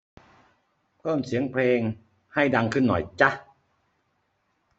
เพิ่มเสียงเพลงให้ดังขึ้นหน่อยจ้ะ